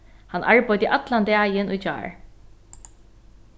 hann arbeiddi allan dagin í gjár